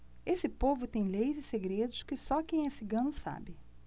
esse povo tem leis e segredos que só quem é cigano sabe